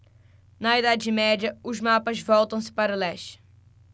na idade média os mapas voltam-se para o leste